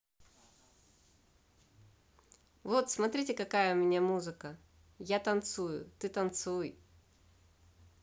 вот смотрите какая у меня музыка я танцую ты танцуй